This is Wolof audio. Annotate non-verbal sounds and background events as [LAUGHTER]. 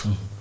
[HESITATION] [HESITATION]